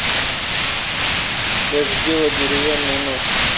как сделать деревянный нож